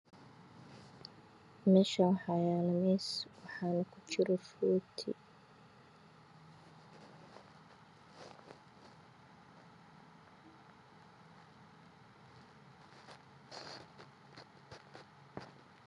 Meeshan waxaa yaalo miis waxaana ku jiro rooti